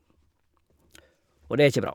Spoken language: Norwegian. Og det er ikke bra.